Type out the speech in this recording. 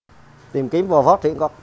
tìm kiếm và phát triển các